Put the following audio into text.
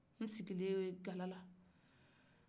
n sigilen galala